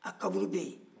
a kaburu bɛ yen